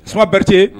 Isuma Bɛrte